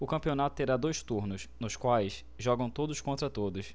o campeonato terá dois turnos nos quais jogam todos contra todos